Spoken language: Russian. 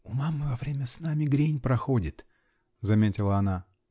-- У мамы во время сна мигрень проходит, -- заметила она.